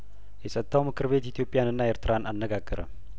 የጸጥታው ምክር ቤት ኢትዮጵያንና ኤርትራን አነጋገረ